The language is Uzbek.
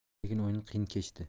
lekin o'yin qiyin kechdi